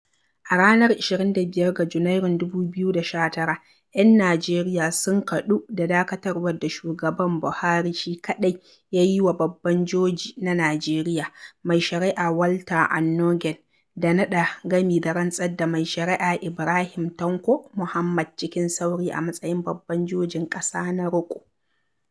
A ranar 25 ga Janairun 2019, 'yan Najeriya sun kaɗu da dakatarwar da shugaban Buhari shi kaɗai, ya yi wa babban joji na Najeriya, mai shari'a Walter Onnoghen, da naɗa gami da rantsar da mai shari'a Ibrahim Tanko Muhammad cikin sauri, a matsayin baban jojin ƙasa na riƙo.